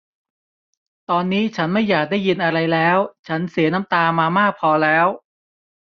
ตอนนี้ฉันไม่อยากได้ยินอะไรแล้วฉันเสียน้ำตามามากพอแล้ว